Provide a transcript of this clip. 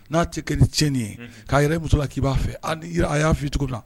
N'a tɛ kɛ ni tiɲɛni ye, unhun, k'a jira i muso la k'i b'a fɛ a ni a y'a fɔ i ye cogo min na